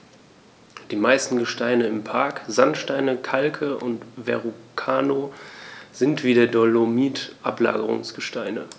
Die meisten Gesteine im Park – Sandsteine, Kalke und Verrucano – sind wie der Dolomit Ablagerungsgesteine.